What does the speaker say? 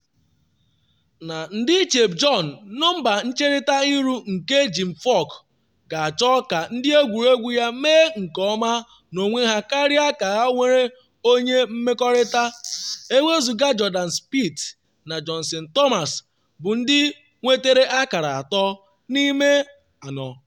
Na ndịiche Bjorn, nọmba ncherịta ihu nke Jim Furyk ga-achọ ka ndị egwuregwu ya mee nke ọma n’onwe ha karịa ka ha nwere onye mmekọrịta, ewezuga Jordan Spieth na Justin Thomas bụ ndị nwetere akara atọ n’ime anọ.